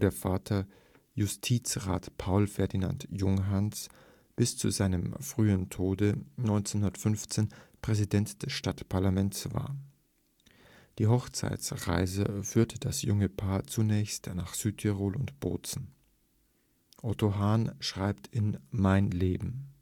Vater, Justizrat Paul Ferdinand Junghans (1859 – 1915), bis zu seinem frühen Tode 1915 Präsident des Stadtparlamentes war. Die Hochzeitsreise führte das junge Paar zunächst nach Südtirol und Bozen. Otto Hahn schreibt in Mein Leben